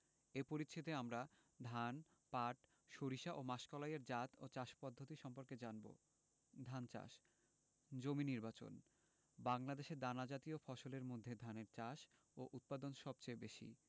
এ পরিচ্ছেদে আমরা ধান পাট সরিষা ও মাসকলাই এর জাত ও চাষ পদ্ধতি সম্পর্কে জানব ধান চাষ জমি নির্বাচনঃ বাংলাদেশে দানাজাতীয় ফসলের মধ্যে ধানের চাষ ও উৎপাদন সবচেয়ে বেশি